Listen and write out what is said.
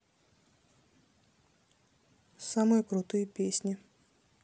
самые крутые песни